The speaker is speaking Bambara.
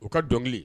U ka dɔnkili